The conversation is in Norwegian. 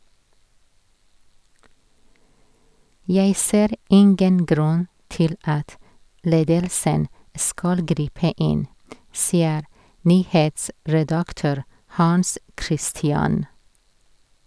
- Jeg ser ingen grunn til at ledelsen skal gripe inn, sier nyhetsredaktør Hans-Christian.